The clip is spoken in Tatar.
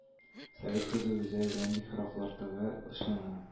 Совет кызы үзе әллә нинди хорафатларга ышана